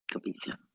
Gobeithio.